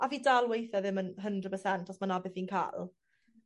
a fi dal weithe ddim yn hundred percent os ma' 'na beth fi'n ca'l.